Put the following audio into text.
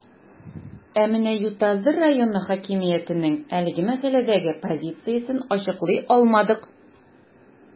Ә менә Ютазы районы хакимиятенең әлеге мәсьәләдәге позициясен ачыклый алмадык.